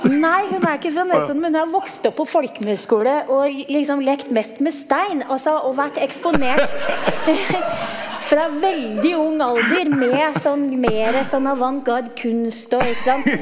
nei hun er ikke fra Nesodden, men hun har vokst opp på folkehøyskole og liksom lekt mest med stein altså og vært eksponert fra veldig ung alder med sånn mere sånn avantgarde kunst og ikke sant.